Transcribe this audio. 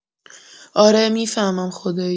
اره می‌فهمم خدایی